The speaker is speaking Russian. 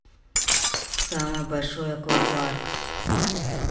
самый большой аквапарк